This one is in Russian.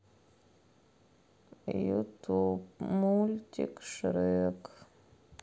ютуб мультик шрек